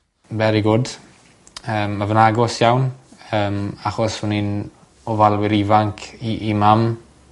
Very good yym ma fe'n agos iawn yym achos fo' ni'n ofalwyr ifanc i i mam